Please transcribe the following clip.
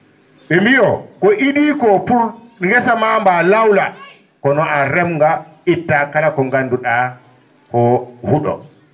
?e mbi on ko idiko pour guesama ba lawla kono a remga itta kala ko gandu?a ko huu?o